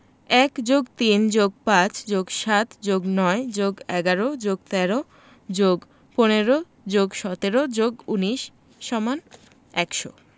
১+৩+৫+৭+৯+১১+১৩+১৫+১৭+১৯=১০০